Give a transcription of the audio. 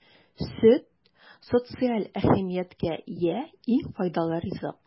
Сөт - социаль әһәмияткә ия иң файдалы ризык.